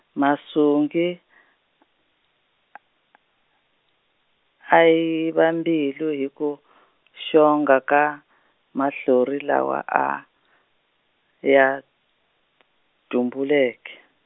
Masungi , a yiviwa mbilu hi ku , xonga ka, mahlori lawa a, ya, ntumbuluko.